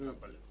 dàbbali ko